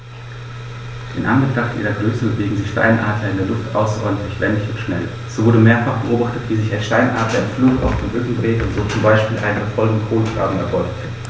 In Anbetracht ihrer Größe bewegen sich Steinadler in der Luft außerordentlich wendig und schnell, so wurde mehrfach beobachtet, wie sich ein Steinadler im Flug auf den Rücken drehte und so zum Beispiel einen verfolgenden Kolkraben erbeutete.